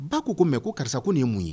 Ba k'u ko mɛ ko karisa ko nin ye mun ye